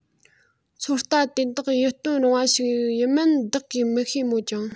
ཚོད ལྟ དེ དག ཡིད རྟོན རུང བ ཞིག ཡིན མིན བདག གིས མི ཤེས མོད ཀྱང